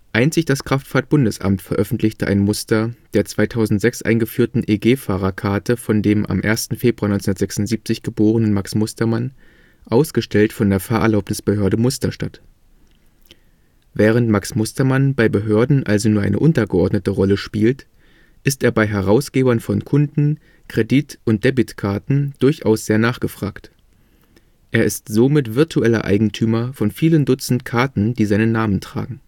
Einzig das Kraftfahrt-Bundesamt veröffentlichte ein Muster der 2006 eingeführten EG-Fahrerkarte von dem am 1. Februar 1976 geborenen Max Mustermann, ausgestellt von der Fahrerlaubnisbehörde Musterstadt. Während Max Mustermann bei Behörden also nur eine untergeordnete Rolle spielt, ist er bei Herausgebern von Kunden -, Kredit - und Debitkarten durchaus sehr nachgefragt. Er ist somit virtueller Eigentümer von vielen Dutzend Karten, die seinen Namen tragen